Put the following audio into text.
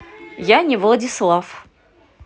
я не владислав